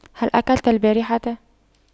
هل أكلت البارحة